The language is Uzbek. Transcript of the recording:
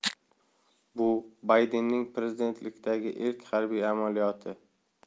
bu baydenning prezidentlikdagi ilk harbiy amaliyoti